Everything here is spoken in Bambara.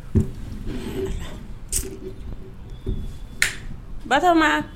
Ba ma